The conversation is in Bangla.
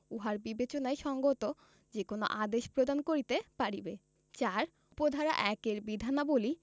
উহার বিবেচনায় সংগত যে কোন আদেশ প্রদান করিতে পারিবে ৪ উপ ধারা ১ এর বিধানাবলী